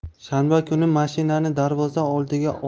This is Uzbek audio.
shanba kuni mashinani darvoza oldiga